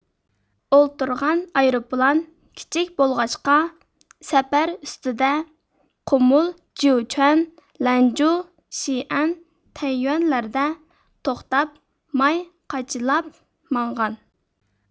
ئولتۇرغان ئايروپىلان كىچىك بولغاچقا سەپەر ئۈستىدە قۇمۇل جيۇچۈەن لەنجۇ شىئەن تەييۈەنلەردە توختاپ ماي قاچىلاپ ماڭغان